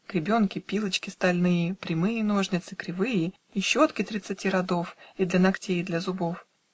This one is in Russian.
Гребенки, пилочки стальные, Прямые ножницы, кривые И щетки тридцати родов И для ногтей и для зубов.